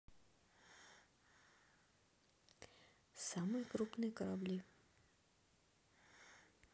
самые крупные корабли